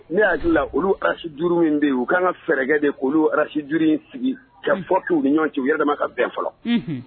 Ne y'adu la olu arasij duuru min bɛ u kan ka fɛgɛ de k olu arasi duuru in sigi fɔ'u ni ɲɔgɔn cɛ u yɛrɛ ka bɛn fɔlɔ